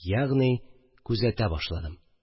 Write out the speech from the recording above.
Ягъни күзәтә башладым